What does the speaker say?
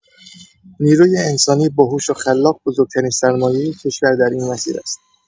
نیروی انسانی باهوش و خلاق، بزرگ‌ترین سرمایه کشور در این مسیر است.